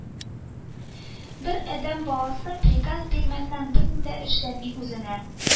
Бер адәм баласы, приказ бирмәсәң, берни дә эшләми, үзенә